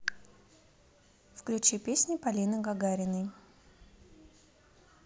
включи песни полины гагариной